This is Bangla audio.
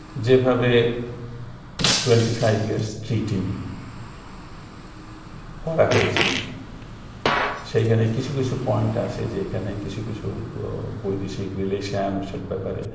যেভাবে টোয়েন্টি ফাইভ ইয়ার্স ট্রিটি করা হয়েছে সেখানে কিছু কিছু পয়েন্ট আছে যেখানে কিছু কিছু বৈদেশিক রিলেশন ওসব ব্যাপারে